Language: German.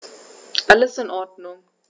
Alles in Ordnung.